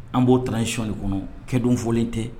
An b'o taara ni shɔli de kɔnɔ kɛdon fɔlen tɛ